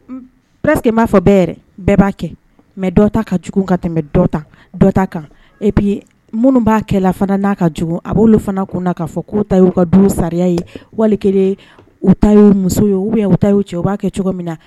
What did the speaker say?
M presque n b'a fɔ bɛɛ yɛrɛ bɛɛ b'a kɛ mais dɔ ta kajugu ka tɛmɛ dɔ ta dɔ ta kan et puis minnu b'a kɛla fana n'a ka jugu a b'olu fana kun na ka fɔ k'u ta ye u ka du charia ye walikeleen u ta ye u muso ye ou bien u ta y'u cɛ ye u b'a kɛ cogomin na